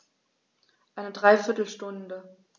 Eine dreiviertel Stunde